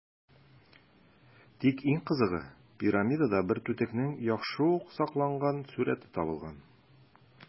Тик иң кызыгы - пирамидада бер түтекнең яхшы ук сакланган сурəте табылган.